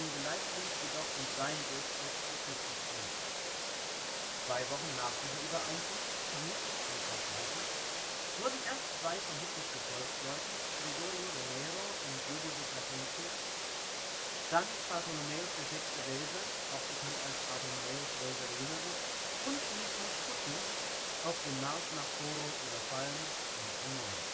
Geleitbrief jedoch den freien Durchzug zur Küste zu. Zwei Wochen nach dieser Übereinkunft, vermutlich am Karfreitag, wurden erst zwei von Huttens Gefolgsleuten (Gregorio Romero und Diego de Plasencia), dann Bartholomäus VI. Welser, auch bekannt als Bartholomäus Welser der Jüngere, und schließlich Hutten auf dem Marsch nach Coro überfallen und ermordet